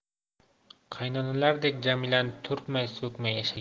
qaynonalardek jamilani turtmay so'kmay yashagan